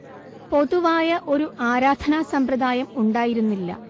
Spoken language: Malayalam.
പൊതുവായ ഒരു ആരാധനാ സമ്പ്രദായം ഉണ്ടായിരുന്നില്ല